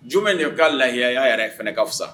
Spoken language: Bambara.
Jmɛ de k'a lahiya a y'a yɛrɛ ye f ka fisasa